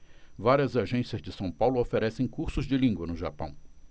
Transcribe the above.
várias agências de são paulo oferecem cursos de língua no japão